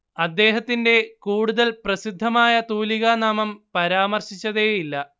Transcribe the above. അദ്ദേഹത്തിന്റെ കൂടുതൽ പ്രസിദ്ധമായ തൂലികാനാമം പരാമർശിച്ചതേയില്ല